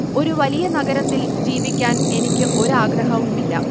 ഒരു വലിയ നഗരത്തിൽ ജീവിക്കാൻ എനിക്ക് ഒരാഗ്രഹവുമില്ല